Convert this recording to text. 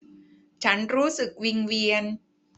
ฉันรู้สึกวิงเวียน